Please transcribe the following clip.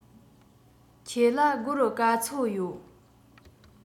ཁྱེད ལ སྒོར ག ཚོད ཡོད